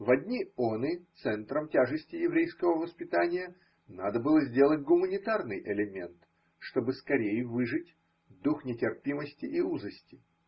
Во дни оны центром тяжести еврейского воспитания надо было сделать гуманитарный элемент, чтобы скорей выжить дух нетерпимости и узости